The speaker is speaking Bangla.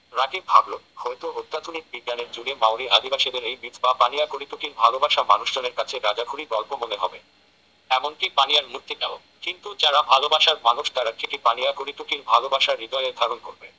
রাকিব ভাবল হয়তো অত্যাধুনিক বিজ্ঞানের যুগে মাউরি আদিবাসীদের এই মিথ বা পানিয়া করিটুকির ভালোবাসা মানুষজনের কাছে গাঁজাখুরি গল্প মনে হবে এমনকি পানিয়ার মূর্তিটাও কিন্তু যারা ভালোবাসার মানুষ তারা ঠিকই পানিয়া করিটুকির ভালোবাসা হৃদয়ে ধারণ করবে